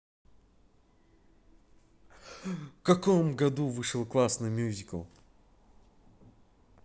в каком году вышел классный мюзикл